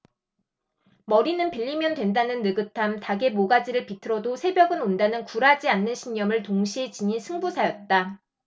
머리는 빌리면 된다는 느긋함 닭의 모가지를 비틀어도 새벽은 온다는 굴하지 않는 신념을 동시에 지닌 승부사였다